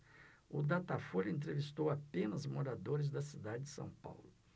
o datafolha entrevistou apenas moradores da cidade de são paulo